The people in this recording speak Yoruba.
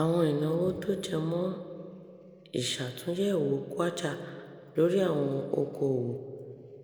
Àwọn ìnáwó tó jẹmọ́ ìṣå̀túnyẹ̀wò Kwacha lórí àwọn okoòwò